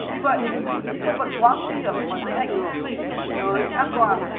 tuy vậy những con vật quá nguy hiểm mà dễ ảnh hưởng tới an toàn